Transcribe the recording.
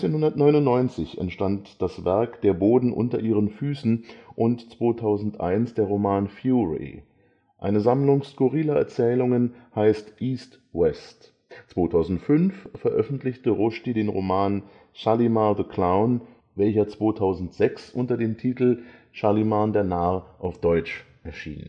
1999 entstand das Werk Der Boden unter ihren Füßen und 2001 der Roman Fury. Eine Sammlung skurriler Erzählungen heißt East, West. 2005 veröffentlichte Rushdie den Roman Shalimar the Clown, 2006 unter dem Titel Shalimar der Narr auf Deutsch erschienen